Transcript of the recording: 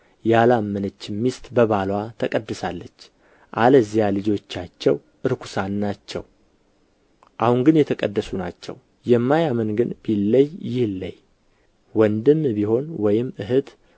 ያላመነችም ሚስት በባልዋ ተቀድሳለች አለዚያ ልጆቻችሁ ርኵሳን ናቸው አሁን ግን የተቀደሱ ናቸው የማያምን ግን ቢለይ ይለይ ወንድም ቢሆን ወይም እኅት